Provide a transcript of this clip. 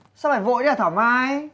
sao phải vội thế hả thảo mai